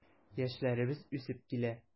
Яшьләребез үсеп килә.